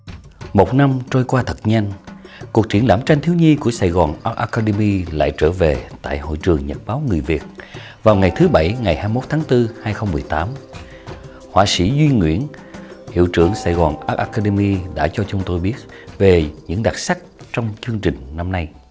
một năm trôi qua thật nhanh cuộc triển lãm tranh thiếu nhi của sài gòn on a ca đê mi lại trở về tại hội trường nhật báo người việt vào ngày thứ bảy ngày hai mốt tháng tư hai không mười tám họa sĩ duy nguyễn hiệu trưởng sài gòn a ca đê mi đã cho chúng tôi biết về những đặc sắc trong chương trình năm nay